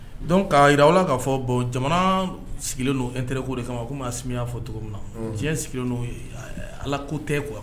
Dɔnku kaa jiraw k'a fɔ bon jamana sigilen dontr ko de kama kɔmi maa si'a fɔ cogo min na diɲɛ sigilen' ala ko tɛ